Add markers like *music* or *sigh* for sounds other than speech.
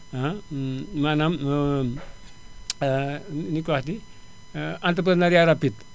*hesitation* maanaam *hesitation* *smacks lips* *hesitation* nu nuñu koy waxeeti *hesitation* entreprenariat rapide